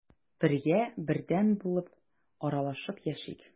Бергә, бердәм булып аралашып яшик.